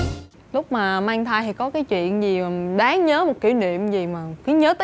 lúc mà mang thai thì có cái chuyện gì mà đáng nhớ một kỉ niệm gì mà khiến nhớ